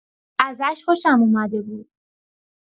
ازش خوشم اومده بود.